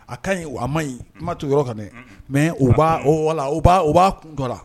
A ka ɲi a ma ɲi kumatu yɔrɔ ka mɛ u b'a o wala b'a kun kɔrɔ